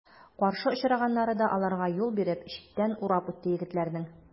Каршы очраганнары да аларга юл биреп, читтән урап үтте егетләрнең.